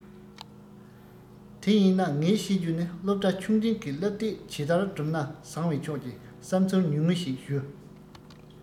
དེ ཡིན ན ངས བཤད རྒྱུ ནི སློབ གྲྭ ཆུང འབྲིང གི བསླབ དེབ ཇི ལྟར བསྒྲུབ ན བཟང བའི ཕྱོགས ཀྱི བསམ ཚུལ ཉུང ངུ ཞིག ཞུ